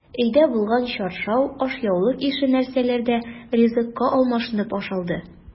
Өйдә булган чаршау, ашъяулык ише нәрсәләр дә ризыкка алмашынып ашалды.